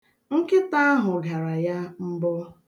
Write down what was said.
Nkịta ahụ gara ya mbọ.